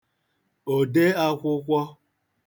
òdeākwụ̄kwō